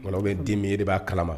Kɔnɔ bɛ di min ye de b'a kalama